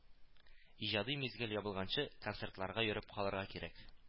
Иҗади мизгел ябылганчы, концертларга йөреп калырга кирәк